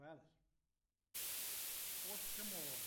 Wel, wrth 'ym modd.